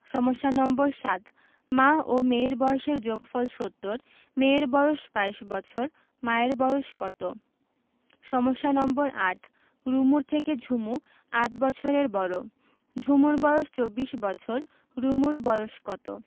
সমস্যা নম্বর ৭ মা ও মেয়ের বয়সের যোগফল ৭০ মেয়ের বয়স ২২ বছর মায়ের বয়স কত সমস্যা নম্বর ৮ রুমুর থেকে ঝুমু ৮ বছরের বড় ঝুমুর বয়স ২৪ বছর রুমুর বয়স কত